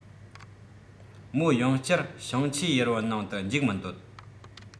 མོ ཡང བསྐྱར བཤངས ཆུའི ཡུར བུ ནང དུ འཇུག མི འདོད